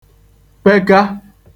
peka